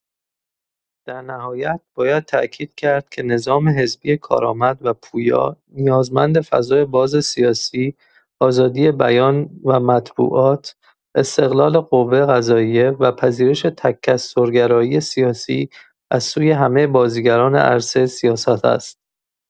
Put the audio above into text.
در نهایت، باید تأکید کرد که نظام حزبی کارآمد و پویا، نیازمند فضای باز سیاسی، آزادی بیان و مطبوعات، استقلال قوه‌قضائیه و پذیرش تکثرگرایی سیاسی از سوی همه بازیگران عرصه سیاست است.